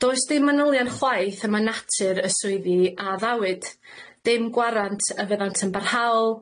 Does dim manylion chwaith am y natur y swyddi a addawyd. Dim gwarant a fyddant yn barhaol,